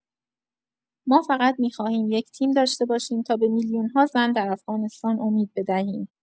ما فقط می‌خواهیم یک تیم داشته باشیم تا به میلیون‌ها زن در افغانستان امید بدهیم.